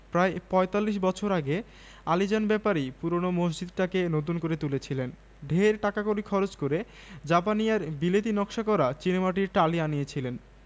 সে পলাতকা ঝরনার জল শাসনের পাথর ডিঙ্গিয়ে চলে তার মনটি যেন বেনূবনের উপরডালের পাতা কেবলি ঝির ঝির করে কাঁপছে আজ দেখি সেই দূরন্ত মেয়েটি বারান্দায় রেলিঙে ভর দিয়ে চুপ করে দাঁড়িয়ে